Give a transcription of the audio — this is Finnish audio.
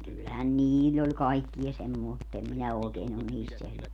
kyllähän niillä oli kaikkia - mutta en minä oikein ole niistä selvillä